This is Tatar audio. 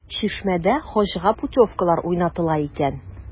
“чишмә”дә хаҗга путевкалар уйнатыла икән.